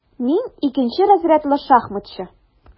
Мин - икенче разрядлы шахматчы.